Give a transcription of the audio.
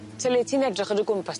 Te le ti'n edrych o dy gwmpas...